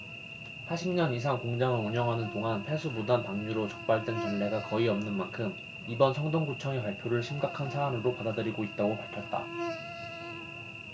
사십 년 이상 공장을 운영하는 동안 폐수 무단 방류로 적발된 전례가 거의 없는 만큼 이번 성동구청의 발표를 심각한 사안으로 받아들이고 있다고 밝혔다